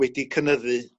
wedi cynyddu